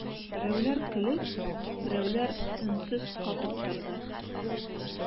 Берәүләр көлеп, берәүләр өнсез катып торды.